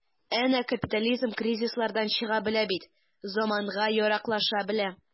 Әнә капитализм кризислардан чыга белә бит, заманга яраклаша белә.